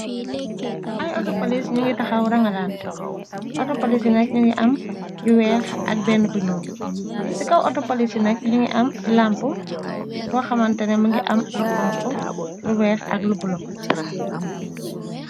Ay autopolis ñu ngi taxaw rangalant autopolis yinak yu ngi am yu weex ak benn bu ñuul ci kaw autopolis yinak yu ngi am lampo bo xamantene mangi am lu xonko lu weex ak lu bulo.